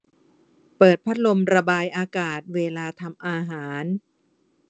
เปิดพัดลมระบายอากาศเวลาทำอาหาร